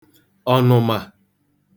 ọ̀nụ̀mà